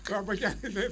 waaw Badiane